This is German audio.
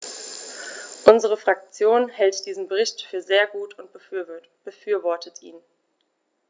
Unsere Fraktion hält diesen Bericht für sehr gut und befürwortet ihn.